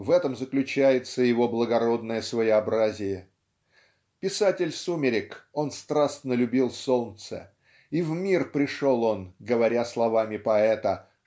В этом заключается его благородное своеобразие. Писатель сумерек он страстно любил солнце и в мир пришел он говоря словами поэта